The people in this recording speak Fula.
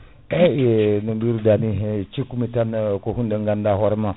eyyi no biruɗani cikkumi tan ko hunde ganɗa hoorema